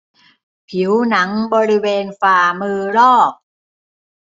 ผิวหนังบริเวณฝ่ามือลอก